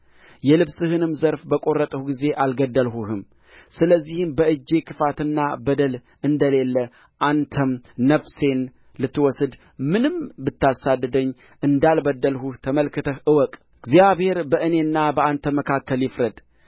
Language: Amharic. የልብስህ ዘርፍ በእጄ እንዳለ ተመልክተህ እወቅ የልብስህንም ዘርፍ በቈረጥሁ ጊዜ አልገደልሁህም ስለዚህም በእጄ ክፋትና በደል እንደሌለ አንተም ነፍሴን ልትወስድ ምንም ብታሳድደኝ እንዳልበደልሁህ ተመልክተህ እወቅ እግዚአብሔር በእኔና በአንተ መካከል ይፍረድ